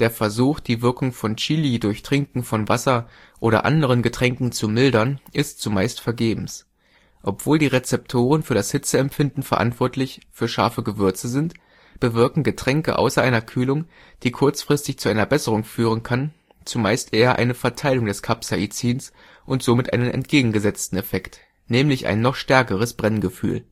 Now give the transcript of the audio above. Versuch, die Wirkung von Chili durch Trinken von Wasser oder anderen Getränken zu mildern, ist zumeist vergebens. Obwohl die Rezeptoren für das Hitzeempfinden verantwortlich für scharfe Gewürze sind, bewirken Getränke außer einer Kühlung, die kurzfristig zu einer Besserung führen kann, zumeist eher eine Verteilung des Capsaicins und somit einen entgegengesetzten Effekt: nämlich ein noch stärkeres Brenngefühl